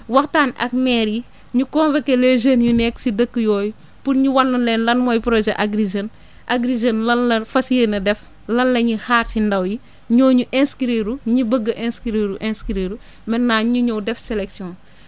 waxtaan ak maires yi ñu convoquer les jeunes yu nekk si dëkk yooyu pour ñu wan leen lan mooy projet Agri Jeunes Agri Jeunes lan la fas yéene def lan la ñuy xaar si ndaw yi ñooñu inscrire ñi bëgg a inscrire inscrire maintenant ñu ñëw def sellection